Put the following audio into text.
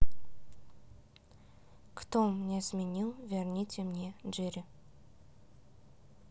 кто мне сменил верните мне jiri